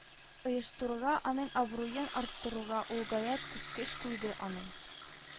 Оештыруга, аның абруен арттыруга ул гаять күп көч куйды, аның